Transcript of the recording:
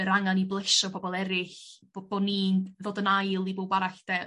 Yr angan i blesio pobol eryll bo' bo' ni'n ddod yn ail i bowb arall 'de?